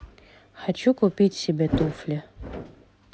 хочу купить себе туфли